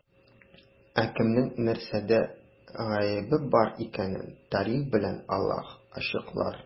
Ә кемнең нәрсәдә гаебе бар икәнен тарих белән Аллаһ ачыклар.